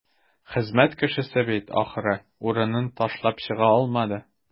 Хезмәт кешесе бит, ахры, урынын ташлап чыга алмады.